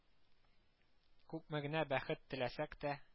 Күпме генә бәхет теләсәк тә